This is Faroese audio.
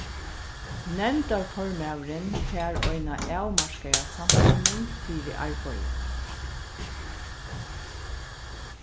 nevndarformaðurin fær eina avmarkaða samsýning fyri arbeiðið